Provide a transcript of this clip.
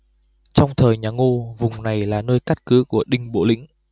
trong thời nhà ngô vùng này là nơi cát cứ của đinh bộ lĩnh